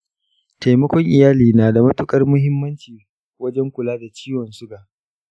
taimakon iyali na da matuƙar muhimmanci wajen kula da ciwon suga.